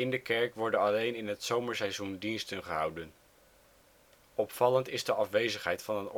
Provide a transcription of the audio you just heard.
de kerk worden alleen in het zomerseizoen diensten gehouden. Opvallend is de afwezigheid van